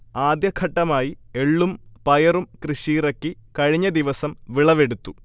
ആദ്യഘട്ടമായി എള്ളും പയറും കൃഷിയിറക്കി കഴിഞ്ഞദിവസം വിളവെടുത്തു